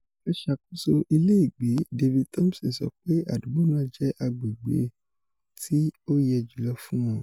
Àṣàkóso ilégbèé David Thompson sọ pé adúgbò náà jẹ́ agbègbèi tí ó yẹ jùlọ fún wọn.